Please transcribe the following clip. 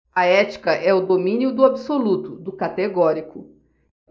a ética é o domínio do absoluto do categórico